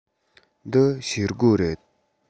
འདི ཤེལ སྒོ རེད